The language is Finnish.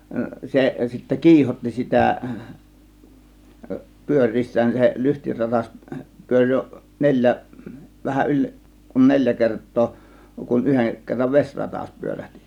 se sitten kiihotti sitä pyöriessään se lyhtiratas pyöri jo neljä vähän yli kun neljä kertaa kun yhden kerran vesiratas pyörähti